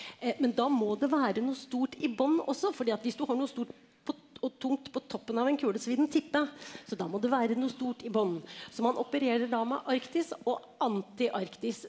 men da må det være noe stort i bånn også fordi at hvis du har noe stort på og tungt på toppen av en kule så vil den tippe så da må det være noe stort i bånn, så man opererer da med Arktis og antiarktis.